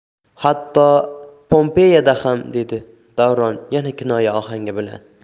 hatto pompeyada ham dedi davron yana kinoya ohangi bilan